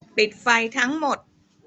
ปิดไฟทั้งหมด